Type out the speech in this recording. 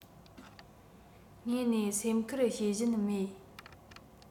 དངོས ནས སེམས ཁུར བྱེད བཞིན མེད